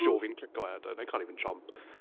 Jaw fi'n clicio wedyn. I can't even chomp.